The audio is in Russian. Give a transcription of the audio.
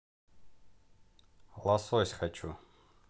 лосось хочу